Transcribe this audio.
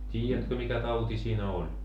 tiedätkö mikä tauti siinä oli